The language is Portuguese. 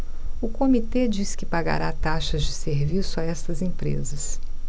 o comitê diz que pagará taxas de serviço a estas empresas